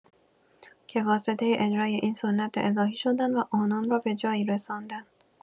که واسطه اجرای این سنت الهی شدند و آنان را به جایی رساندند.